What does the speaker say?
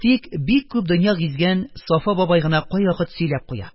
Тик бик күп дөнья гизгән Сафа бабай гына кайвакыт сөйләп куя: